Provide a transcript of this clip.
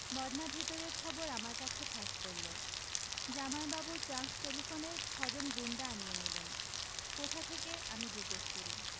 মদনা ভিতরের খবর আমার কাছে ফাঁস করলো জামাইবাবু ট্রাঙ্কটেলিফোনে ছজন গুণ্ডা আনিয়ে নিলেন কোথা থেকে আমি জিজ্ঞেস করি